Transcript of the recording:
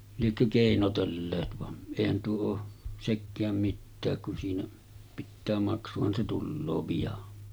liekö keinotelleet vaan eihän tuo ole sekään mitään kun siinä pitää maksuhan se tulee pian